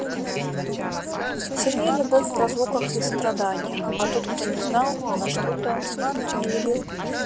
сильнее любовь в разлуках и страданиях а тот кто не знал на что то не любил